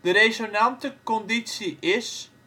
resonantie conditie is